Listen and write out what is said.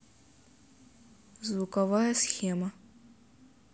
звуковая схема